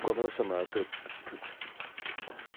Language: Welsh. gwanol resyma' dy- dy- dy- mm